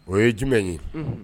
O ye jumɛn ye unhun